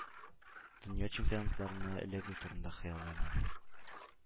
Дөнья чемпионатларына эләгү турында хыялланам.